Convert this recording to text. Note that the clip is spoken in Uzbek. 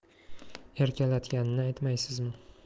erkalatganini aytmaysizmi